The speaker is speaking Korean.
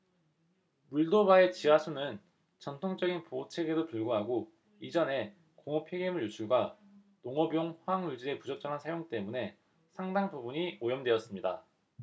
몰도바의 지하수는 전통적인 보호책에도 불구하고 이전의 공업 폐기물 유출과 농업용 화학 물질의 부적절한 사용 때문에 상당 부분이 오염되었습니다